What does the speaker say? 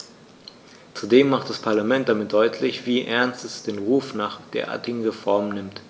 Zudem macht das Parlament damit deutlich, wie ernst es den Ruf nach derartigen Reformen nimmt.